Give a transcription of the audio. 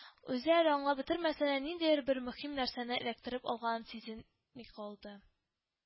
Үзе әле аңлап бетермәсә дә, ниндидер бер мөһим нәрсәне эләктереп алганын сизен ми калды